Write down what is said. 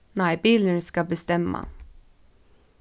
nei bilurin skal bestemma